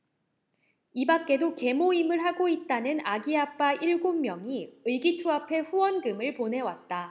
이밖에도 계모임을 하고 있다는 아기 아빠 일곱 명이 의기투합해 후원금을 보내왔다